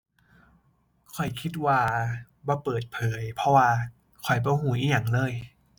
ข้อยคิดว่าบ่เปิดเผย เพราะว่าข้อยบ่รู้อิหยังเลย